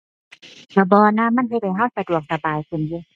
ก็บ่นะ มันเฮ็ดให้ก็สะดวกสบายขึ้นอยู่